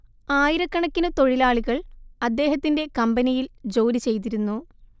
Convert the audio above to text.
ആയിരക്കണക്കിനു തൊഴിലാളികൾ അദ്ദേഹത്തിന്റെ കമ്പനിയിൽ ജോലി ചെയ്തിരുന്നു